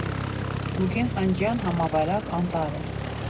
Գուրգեն Խանջյան «Համավարակ», Անտարես։